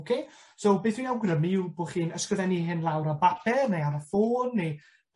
Oce? So beth dwi'n awgrymu yw bo' chi'n ysgrifennu hyn lawr ar bapur neu ar y ffôn neu